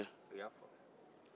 u y'a fɔ